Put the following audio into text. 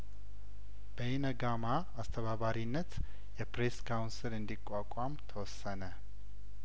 በኢነጋማ አስተባባሪነት የፕሬስ ካውንስል እንዲቋቋም ተወሰነ